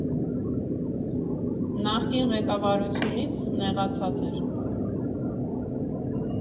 Նախկին ղեկավարությունից նեղացած էր։